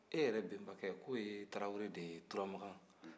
e yɛrɛ benbakɛ k'o ye tarawele de ye turamagan